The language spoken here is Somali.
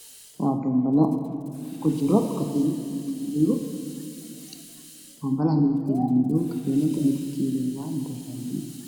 Waa boonbalo waxaa kujiro katiin kalarkiisu uu yahay dahabi, boonbaluhuna waa cadaan.